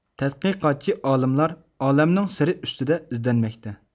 تەتقىقاتچى ئالىملار ئالەمنىڭ سىرى ئۈستىدە ئىزدەنمەكتە